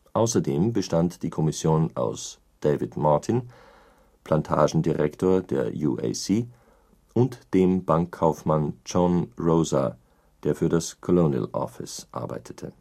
Außerdem bestand die Kommission aus David Martin, Plantagendirektor der UAC, und dem Bankkaufmann John Rosa, der für das Colonial Office arbeitete